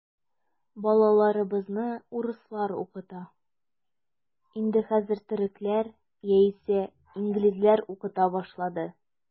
Балаларыбызны урыслар укыта, инде хәзер төрекләр яисә инглизләр укыта башлады.